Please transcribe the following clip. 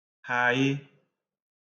hayị